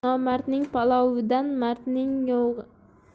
nomardning palovidan mardning